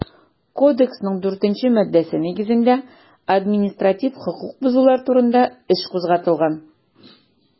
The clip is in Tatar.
Кодексның 4 нче маддәсе нигезендә административ хокук бозулар турында эш кузгатылган.